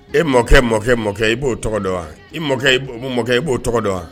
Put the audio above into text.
E mɔkɛ mɔkɛ mɔkɛ i b'o tɔgɔ dɔn wa i mɔkɛ mɔkɛ i b'o tɔgɔ dɔn wa